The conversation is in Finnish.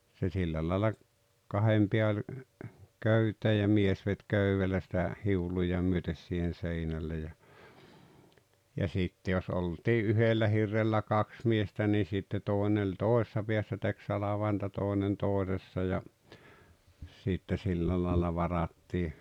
se sillä lailla kahden pään oli köyteen ja mies veti köydellä sitä hiuluja myöten siihen seinälle ja ja sitten jos oltiin yhdellä hirrellä kaksi miestä niin sitten toinen oli toisessa päässä teki salvainta toinen toisessa ja sitten sillä lailla varattiin